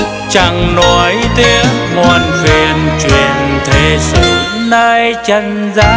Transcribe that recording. chẳng nuối tiếc muộn phiền chuyện thế sự nơi trần gian